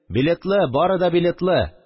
Билетлы, бары да билетлы